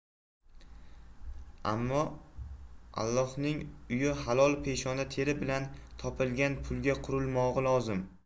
ammo allohning uyi halol peshona teri bilan topilgan pulga qurilmog'i lozim